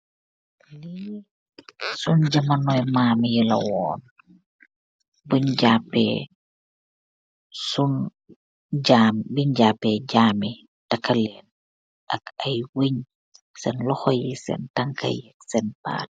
jamanoun mami la woon ak jami youn taka cheen teh tehj len.